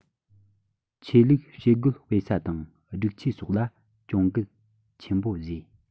ཆོས ལུགས བྱེད སྒོ སྤེལ ས དང སྒྲིག ཆས སོགས ལ གྱོང གུད ཆེན པོ བཟོས